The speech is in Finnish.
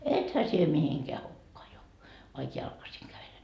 ethän sinä mihinkään hukkaan jouda vaikka jalkaisin kävelet